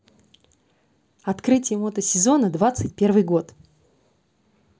открытие мотосезона двадцать первый год